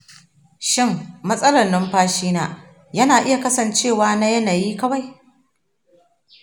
shin matsalar numfashina yana iya kasancewa na yanayi kawai ?